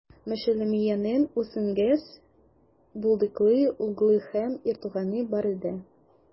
Мешелемиянең унсигез булдыклы углы һәм ир туганы бар иде.